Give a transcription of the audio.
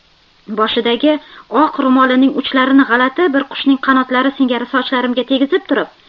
boshidagi oq ro'molining uchlarini g'alati bir qushning qanotlari singari sochlarimga tegizib turib